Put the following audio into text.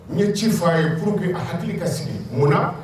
N ye ci fa a ye k kuru kɛ a hakili ka sigi mun munna